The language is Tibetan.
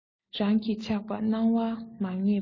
རང གི ཆགས པ སྣང བ མ ངེས པས